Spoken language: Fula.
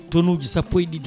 tonnes uji sappo e ɗiɗi